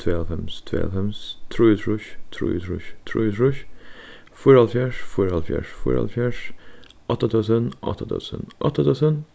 tveyoghálvfems tveyoghálvfems trýogtrýss trýogtrýss trýogtrýss fýraoghálvfjerðs fýraoghálvfjerðs fýraoghálvfjerðs átta túsund átta túsund átta túsund